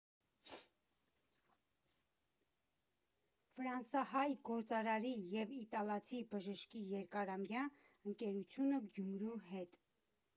Ֆրանսահայ գործարարի և իտալացի բժշկի երկարամյա ընկերությունը Գյումրու հետ։